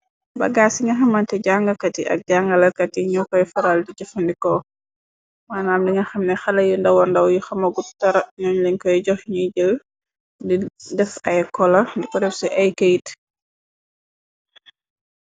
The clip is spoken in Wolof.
Baggaas ci nga xamante jàngakat yi ak jàngalakat yi ñu koy faral di jëfandikoo waanaam linga xamne xala yu ndawa ndaw yu xama gut tara ñoñ leñ koy jox ñuy jël di def ay kola di koreb ci ay kayite.